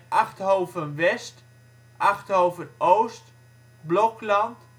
Achthoven-West Achthoven-Oost Blokland